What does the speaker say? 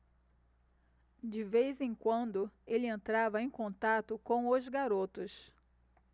de vez em quando ele entrava em contato com os garotos